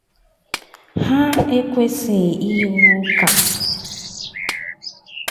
Ha ekwesịghị ịrụ ụka.